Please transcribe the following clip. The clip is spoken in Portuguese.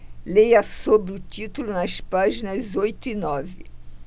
leia sobre o título nas páginas oito e nove